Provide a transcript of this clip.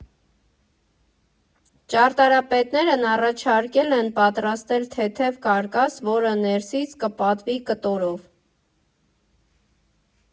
Ճարտարապետներն առաջարկել են պատրաստել թեթև կարկաս, որը ներսից կպատվի կտորով։